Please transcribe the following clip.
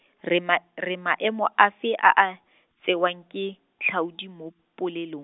re ma-, re maemo a fe a a, tsewang ke, tlhaodi mo, polelong?